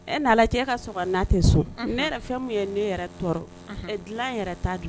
Ɛ nana ka sɔrɔ ka' tɛ sɔn ne yɛrɛ fɛn min ye ne yɛrɛ tɔɔrɔ dilan yɛrɛ t' dilan